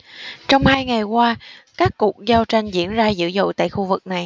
trong hai ngày qua các cuộc giao tranh diễn ra dữ dội tại khu vực này